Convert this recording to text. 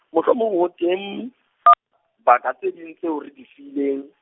mohlomong ho teng , baka tse ding tseo re di siileng.